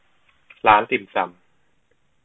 ร้านติ่มซำ